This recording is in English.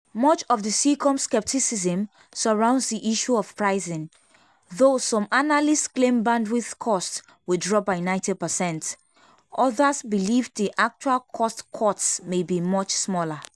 Much of the Seacom skepticism surrounds the issue of pricing: though some analysts claim bandwidth costs will drop by 90 percent, others believe the actual cost cuts may be much smaller.